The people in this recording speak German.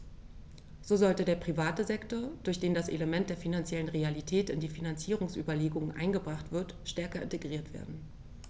So sollte der private Sektor, durch den das Element der finanziellen Realität in die Finanzierungsüberlegungen eingebracht wird, stärker integriert werden.